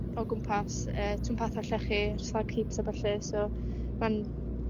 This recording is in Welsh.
o gwmpas yy twmpatha' llechi a ballu so ma'n